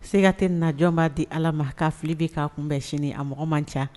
Siga tɛ nin na jɔn b'a di Ala ma? Ka fili bi k'a kun bɛn sini, a mɔgɔ man ca.